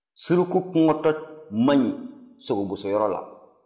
suruku kɔngɔtɔ man ɲi sogo bosoyɔrɔ la